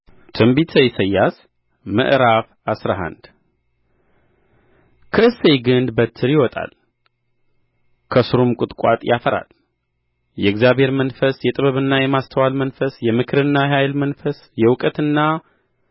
ትንቢተ ኢሳይያስ ምዕራፍ አስራ አንድ ከእሴይ ግንድ በትር ይወጣል ከሥሩም ቍጥቋጥ ያፈራል የእግዚአብሔር መንፈስ የጥበብና የማስተዋል መንፈስ የምክርና የኃይል መንፈስ የእውቀትና እግዚአብሔርን የመፍራት መንፈስ ያርፍበታል